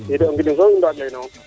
i koy o ngidim soom i mbaag ley nawo